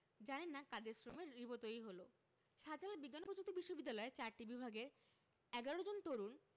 জানেন না কাদের শ্রমে রিবো তৈরি হলো শাহজালাল বিজ্ঞান ও প্রযুক্তি বিশ্ববিদ্যালয়ের চারটি বিভাগের ১১ জন তরুণ